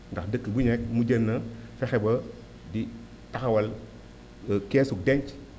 ndax dëkk bu nekk mu gën a fexe ba di taxawal keesu denc